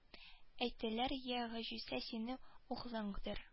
Әйттеләр йә гаҗүзә синең углыңдыр